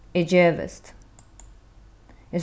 eg gevist